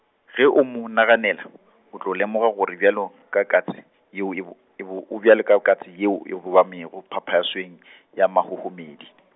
ge o mo naganela , o tlo lemoga gore bjalo ka katse, yeo e bo, ebo, o bjalo ka katse yeo e bobamego phaphasweng , ya mahohomedi.